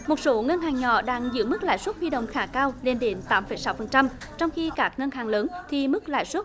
một số ngân hàng nhỏ đang giữ mức lãi suất huy động khá cao lên đến tám phẩy sáu phần trăm trong khi các ngân hàng lớn thì mức lãi suất